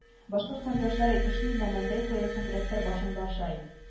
Башкорт кардәшләр әйтмешли нәмәндәй кайгы-хәсрәттәр башыңды ашай